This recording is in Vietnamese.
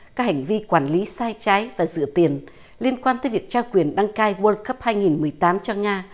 các hành vi quản lý sai trái và rửa tiền liên quan tới việc trao quyền đăng cai guôn cúp hai nghìn mười tám cho nga